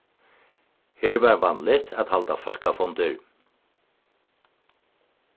her var vanligt at halda fólkafundir